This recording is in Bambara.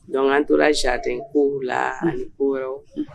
Donc an tora Jardin ko la ani ko wɛrɛw.